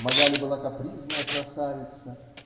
Магали была капризная красавица.